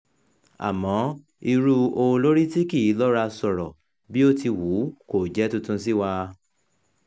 Àmọ́ irú olórí tí kì í lọ́ra sọ̀rọ̀ bí ó ti wù ú kò jẹ́ tuntun sí wa.